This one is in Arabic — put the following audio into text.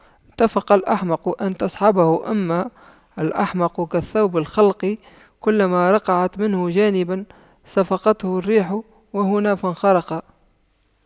اتق الأحمق أن تصحبه إنما الأحمق كالثوب الخلق كلما رقعت منه جانبا صفقته الريح وهنا فانخرق